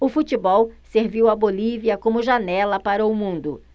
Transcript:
o futebol serviu à bolívia como janela para o mundo